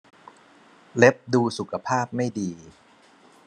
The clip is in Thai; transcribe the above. เล็บดูสุขภาพไม่ดี